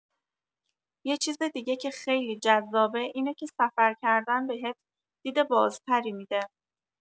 یه چیز دیگه که خیلی جذابه اینه که سفر کردن بهت دید بازتری می‌ده.